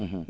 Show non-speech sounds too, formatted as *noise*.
*hesitation* *hesitation*